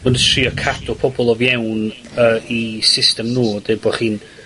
ma' nw'n trio cadw pobol o fewn yy 'u system nw, deud bo' chi'n